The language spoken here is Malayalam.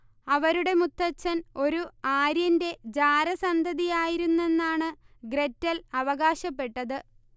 അവരുടെ മുത്തച്ഛൻ ഒരു ആര്യന്റെ ജാരസന്തതിയായിരുന്നെന്നാണ് ഗ്രെറ്റൽ അവകാശപ്പെട്ടത്